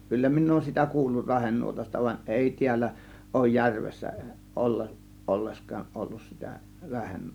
kyllä minä olen sitä kuullut rahenuotasta vaan ei täällä ole järvessä - ollenkaan ollut sitä -